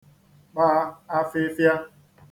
kpa afịfịa